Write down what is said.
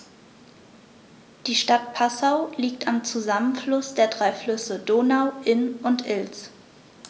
Die Stadt Passau liegt am Zusammenfluss der drei Flüsse Donau, Inn und Ilz.